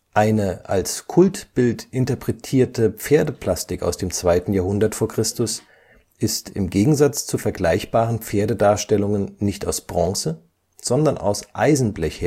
Eine als Kultbild interpretierte Pferdeplastik aus dem 2. Jahrhundert v. Chr. ist im Gegensatz zu vergleichbaren Pferdedarstellungen nicht aus Bronze, sondern aus Eisenblech